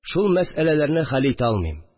Шул мәсьәләләрне хәл итә алмыйм